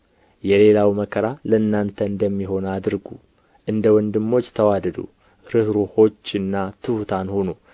የሌላው መከራ ለእናንተ እንደሚሆን አድርጉ እንደወንድሞች ተዋደዱ ርኅሩኆችና ትሑታን ሁኑ